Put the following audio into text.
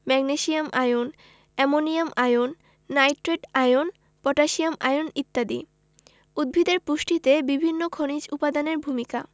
magnesium ion ammonium ion nitrate ion potassium ion ইত্যাদি উদ্ভিদের পুষ্টিতে বিভিন্ন খনিজ উপাদানের ভূমিকা